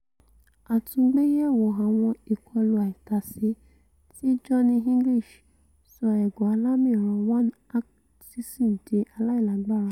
Àtúngbéyẹ̀wò Àwọn Ìkọlu Àìtàṣé ti Johnny English - sọ ẹ̀gàn alamí Rowan Atkinson di aláìlágbára